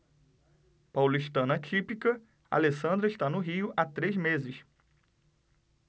paulistana típica alessandra está no rio há três meses